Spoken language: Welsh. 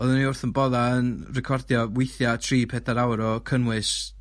Oedden ni wrth 'yn bodda' yn recordio weithia' tri, peder awr o cynnwys